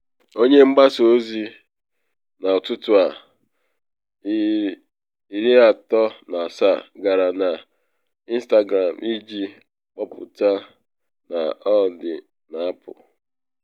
Onye mgbasa ozi This Morning, 37, gara na Instagram iji kwupute na ọ na apụ.